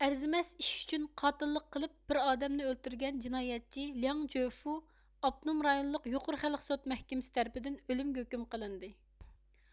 ئەرزىمەس ئىش ئۈچۈن قاتىللىق قىلىپ بىر ئادەمنى ئۆلتۈرگەن جىنايەتچى لياڭ جۆفۇ ئاپتونوم رايونلۇق يۇقىرى خەلق سوت مەھكىمىسى تەرىپىدىن ئۆلۈمگە ھۆكۈم قىلىندى